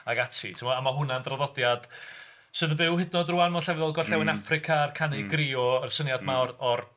Ag ati, ti'mod, a mae hwnna'n draddodiad sydd yn fyw hyd yn oed rwan mewn llefydd fel gorllewin Affrica, a'r canu griot a'r syniad yma o'r... o'r...